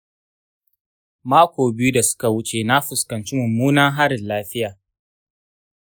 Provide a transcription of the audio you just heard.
mako biyu da suka wuce na fuskanci mummunan harin lafiya.